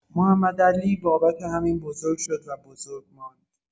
محمدعلی بابت همین بزرگ شد و بزرگ ماند.